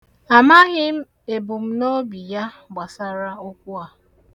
Amaghị m ebumnobi ya gbasara okwu a.